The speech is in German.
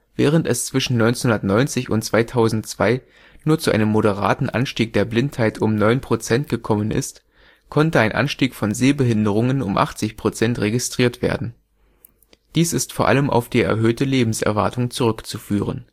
Während es zwischen 1990 und 2002 nur zu einem moderaten Anstieg der Blindheit um 9 % gekommen ist, konnte ein Anstieg von Sehbehinderungen um 80 % registriert werden. Dies ist vor allem auf die erhöhte Lebenserwartung zurückzuführen